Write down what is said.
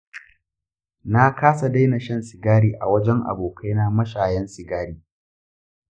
na kasa daina shan sigari a wajan abokaina mashayan sigari.